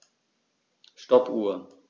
Stoppuhr.